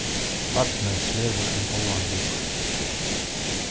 barnið svevur ein góðan lúr